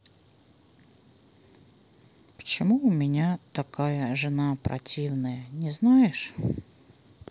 почему у меня такая жена противная не знаешь